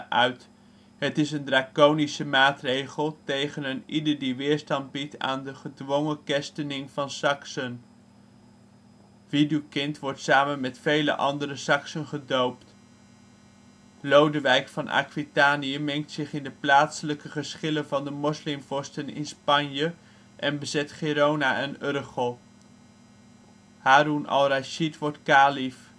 uit. Het is een drakonische maatregel tegen eenieder die weerstand biedt aan de gedwongen kerstening van Saksen. Widukind wordt samen met vele andere Saksen gedoopt. Lodewijk van Aquitanië mengt zich in de plaatselijke geschillen van de moslim vorsten in Spanje en bezet Gerona en Urgel. Harun al Rashid wordt kalief